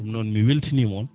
noon mi weltanima on